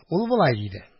Ул болай диде